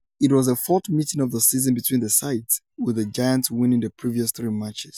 It was a fourth meeting of the season between the sides, with the Giants winning the previous three matches.